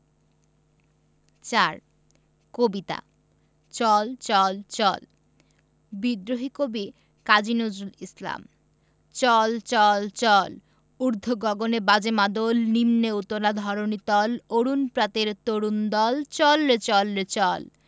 ৪ কবিতা চল চল চল বিদ্রোহী কবি কাজী নজরুল ইসলাম চল চল চল ঊর্ধ্ব গগনে বাজে মাদল নিম্নে উতলা ধরণি তল অরুণ প্রাতের তরুণ দল চল রে চল রে চল